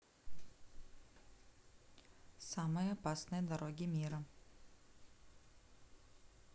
самые опасные дороги мира